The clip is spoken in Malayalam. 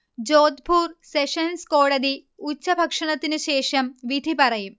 ജോധ്പൂർ സെഷൻസ് കോടതി ഉച്ചഭക്ഷണത്തിന് ശേഷം വിധി പറയും